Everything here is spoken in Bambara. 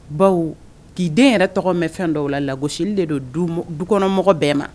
Baw k'i den yɛrɛ tɔgɔ mɛn fɛn dɔw lagosi de don dukɔnɔmɔgɔ bɛɛ ma